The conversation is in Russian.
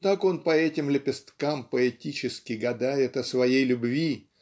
так он по этим лепесткам поэтически гадает о своей любви